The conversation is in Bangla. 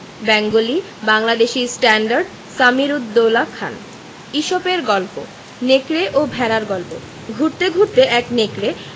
ব্যাঙ্গলি বাংলাদেশি স্ট্যান্ডার্ড সামির উদ দৌলা খান ইসপের গল্প নেকড়ে ও ভেড়ার গল্প ঘুরতে ঘুরতে এক নেকড়ে